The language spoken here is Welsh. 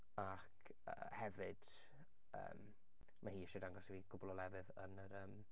Ac yy hefyd yym ma' hi isie dangos i fi cwpl o lefydd yn yr yym